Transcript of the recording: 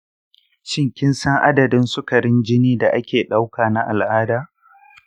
shin kin san adadin sukarin jini da ake ɗauka na al’ada?